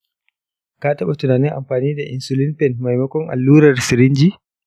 ka taɓa tunanin amfani da insulin pen maimakon allurar sirinji?